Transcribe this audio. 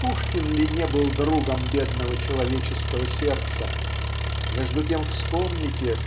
Пушкин ли не был другом бедного человеческого сердца? Между тем вспомните